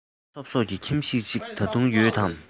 ཚ སོབ སོབ ཀྱི ཁྱིམ གཞིས ཤིག ད དུང ཡོད དམ